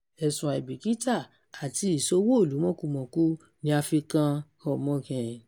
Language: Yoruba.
Ẹ̀sùn àìbìkítà àti ìṣowó-ìlú-mọ́kumọ̀ku ni a fi kan Onnoghen.